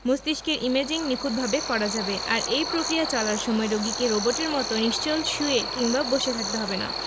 মস্তিষ্কের ইমেজিং নিখুঁতভাবে করা যাবে আর এই প্রক্রিয়া চলার সময় রোগীকে রোবটের মতো নিশ্চল শুয়ে কিংবা বসে থাকতে হবে না